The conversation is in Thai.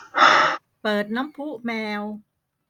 เปิดน้ำพุแมว